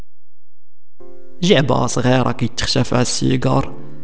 جعبه صغيره كشف السيجار